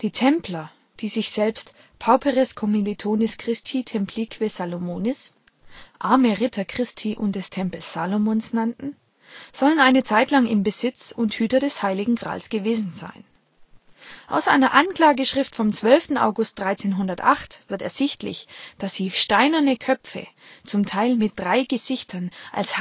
Templer, die sich selbst Pauperes commilitones Christi templique Salomonis (" Arme Ritter Christi und des Tempels Salomons ") nannten, sollen eine Zeit lang im Besitz und Hüter des Heiligen Grals gewesen sein. Aus einer Anklageschrift vom 12. August 1308 wird ersichtlich, dass sie steinerne Köpfe (zum Teil mit drei Gesichtern) als